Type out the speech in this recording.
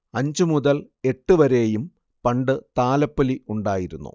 അഞ്ച് മുതൽ എട്ട് വരെയും പണ്ട് താലപ്പൊലി ഉണ്ടായിരുന്നു